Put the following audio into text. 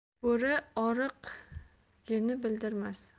bo'ri oriqhgini bildirmas